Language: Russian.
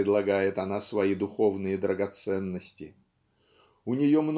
предлагает она свои духовные драгоценности. У нее